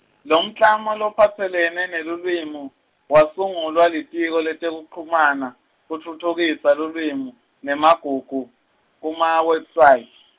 lomklamo lophatselene nelulwimi wasungulwa Litiko letekuchumana Kutfutfukisa lulwimi nemagugu kuma-website.